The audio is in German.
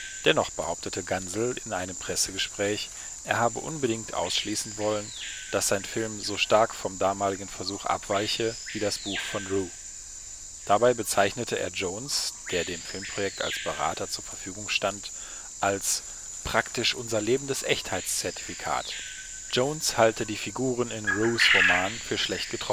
Dennoch behauptete Gansel in einem Pressegespräch, er habe unbedingt ausschließen wollen, dass sein Film so stark vom damaligen Versuch abweiche wie das Buch von Rhue. Dabei bezeichnete er Jones, der dem Filmprojekt als Berater zur Verfügung stand, als „ praktisch unser lebendes Echtheitszertifikat “. Jones halte die Figuren in Rhues Roman für schlecht